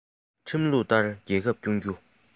ཁྲིམས ལུགས ལྟར རྒྱལ ཁབ སྐྱོང རྒྱུ